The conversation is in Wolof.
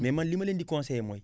mais man li ma leen di conseillé mooy